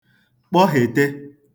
kpọhète